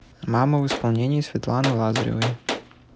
мама в исполнении светланы лазаревой